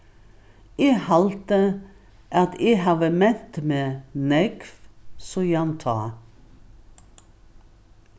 eg haldi at eg havi ment meg nógv síðan tá